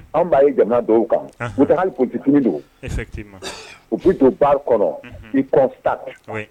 Anw' ye jamana dɔw kan mutat don u bɛ don ba kɔrɔ i